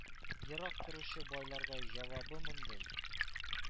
Ерак торучы байларга җавабы мондый: